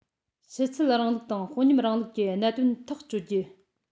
ཕྱི ཚུལ རིང ལུགས དང དཔོན ཉམས རིང ལུགས ཀྱི གནད དོན ཐག གཅོད རྒྱུ